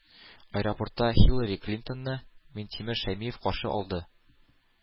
Аэропортта Хиллари Клинтонны Минтимер Шәймиев каршы алды.